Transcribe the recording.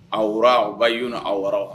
Aw w aw u ba yyu na aw wa